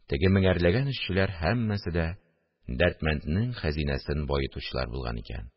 Теге меңәрләгән эшчеләр һәммәсе дә Дәрдмәнднең хәзинәсен баетучылар булган икән